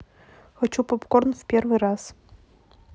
хочу поп корн в первый раз